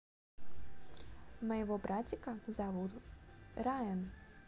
моего братика зовут ryan